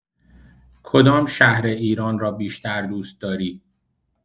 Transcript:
کدام شهر ایران را بیشتر دوست‌داری؟